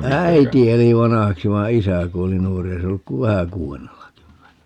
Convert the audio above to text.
äiti eli vanhaksi vaan isä kuoli nuorena ei se ollut kuin vähän kuudennellakymmenellä